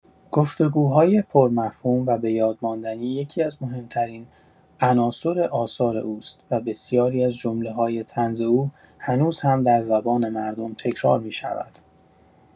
گفت‌وگوهای پرمفهوم و بۀادماندنی یکی‌از مهم‌ترین عناصر آثار اوست و بسیاری از جمله‌های طنز او هنوز هم در زبان مردم تکرار می‌شود.